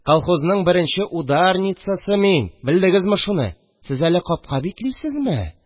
Колхозның беренче ударницасы мин, белдегезме шуны? Сез әле капка биклисезме?